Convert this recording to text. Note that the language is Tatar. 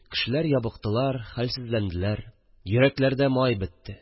Кешеләр ябыктылар, хәлсезләнделәр, йөрәкләрдә май бетте